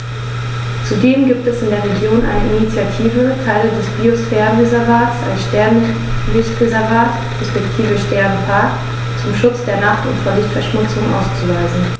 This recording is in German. Zudem gibt es in der Region eine Initiative, Teile des Biosphärenreservats als Sternenlicht-Reservat respektive Sternenpark zum Schutz der Nacht und vor Lichtverschmutzung auszuweisen.